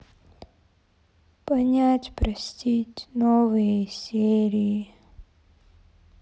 понять простить новые серии